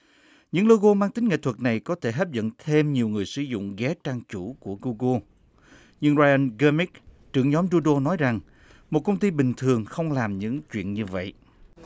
những lô gô mang tính nghệ thuật này có thể hấp dẫn thêm nhiều người sử dụng ghé trang chủ của gu gô nhưng roai ân gơ mích trưởng nhóm tru đô nói rằng một công ty bình thường không làm những chuyện như vậy